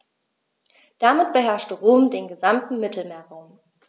Damit beherrschte Rom den gesamten Mittelmeerraum.